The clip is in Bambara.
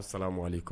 Sa mɔli kɔ